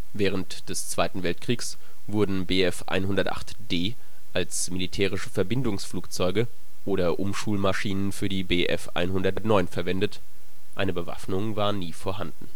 Während des zweiten Weltkriegs wurden Bf 108 D als militärische Verbindungsflugzeuge oder Umschulmaschinen für die Bf 109 verwendet, eine Bewaffnung war nie vorhanden